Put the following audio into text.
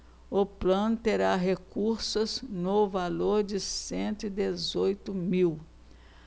o plano terá recursos no valor de cento e dezoito mil